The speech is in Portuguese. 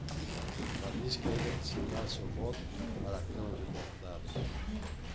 ela disse que ainda decidirá seu voto para a câmara dos deputados